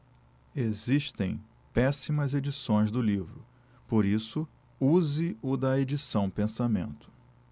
existem péssimas edições do livro por isso use o da edição pensamento